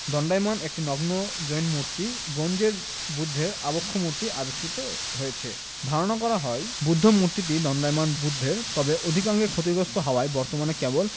দন্ডায়মান একটি নগ্ন জৈন মূর্তি ব্রোঞ্জের বুদ্ধের আবক্ষমূর্তি আবিষ্কৃত হয়েছে ধারণা করা হয় বুদ্ধমূর্তিটি দন্ডায়মান বুদ্ধের তবে অগ্নিকান্ডে ক্ষতিগ্রস্থ হওয়ায় বর্তমানে কেবল